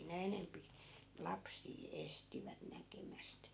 ne enempi lapsia estivät näkemästä